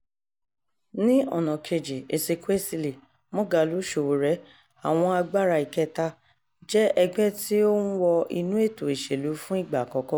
Ní ọ̀nà kejì, Ezekwesili, Moghalu, Sowore, àwọn "agbára ìkẹ́ta", jẹ́ ẹgbẹ́ tí ó ń wọ inú ètò ìṣèlú fún ìgbà àkọ́kọ́.